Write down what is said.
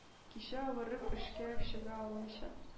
Кичә авырып эшкә чыга алмыйча